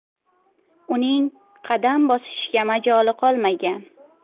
uning qadam bosishga majoli qolmagan